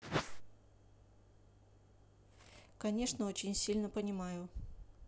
конечно очень сильно понимаю